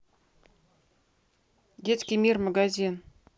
детский мир магазин